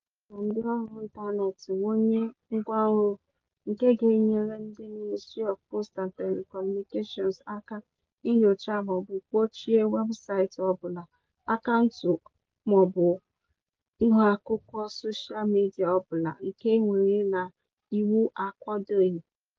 Ha ga-achọ ka ndịọrụ ịntaneetị wụnye ngwanro nke ga-enyere ndị Ministry of Posts and Telecommunications aka "inyocha maọbụ gbochie weebụsaịtị ọbụla, akaụntụ maọbụ ihuakwụkwọ soshal midịa ọbụla nke e weere na iwu akwadoghị".